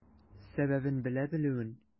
Сәбәбен белә белүен.